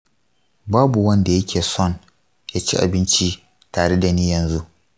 babu wanda yake son ya ci abinci tare da ni yanzu.